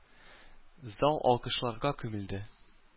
Зал алкышларга күмелде.